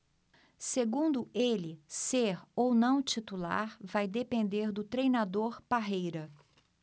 segundo ele ser ou não titular vai depender do treinador parreira